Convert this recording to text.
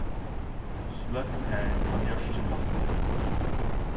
sløkk tær tá mjørkin lættir